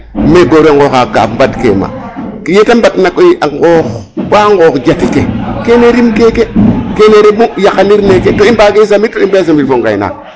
Me goor we nqooxaq kaaf mbadke ema ye ta mbadna koy a nqoox ba nqoox jatu ke kene rim keke; kene refu yaqa ndq neke to i mbee sambir fo ngaynaak.